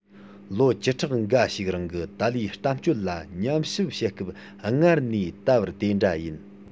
ལོ བཅུ ཕྲག འགའ ཞིག རིང གི ཏཱ ལའི གཏམ སྤྱོད ལ ཉམས ཞིབ བྱེད སྐབས སྔར ནས ད བར དེ འདྲ ཡིན